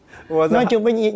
nói chung bé nhi nhi